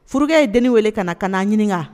Furakɛ ye dennin wele ka na ka n'a ɲininka